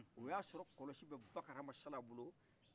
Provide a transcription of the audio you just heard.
o y' a sɔrɔ kɔlɔsi bɛ bakaramasala bolo